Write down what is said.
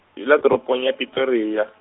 dula toropong ya Pretoria.